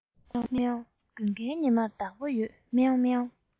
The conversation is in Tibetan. མཱེ མཱེ དགུན ཁའི ཉི མར བདག པོ ཡོད མཱེ མཱེ